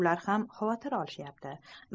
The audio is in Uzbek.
ular ham xavotir olishayapti